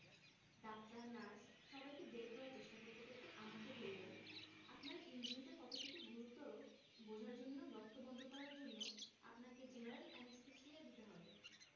doctor nurse সবাইকে বের করার চেষ্টা করতে করতে আমাকে বললেন আপনার ইনজুরিটা কতটুকু গুরুতর বোঝার জন্যে রক্ত বন্ধ করার জন্যে আপনাকে জেনারেল অ্যানেসথেসিয়া দিতে হবে